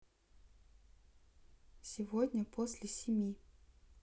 сегодня после семи